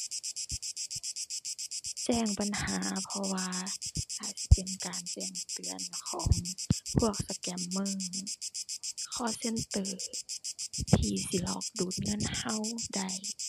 แจ้งปัญหา เพราะว่าอาจสิเป็นการแจ้งเตือนของพวกสแกมเมอร์ call center ที่สิหลอกดูดเงินเราได้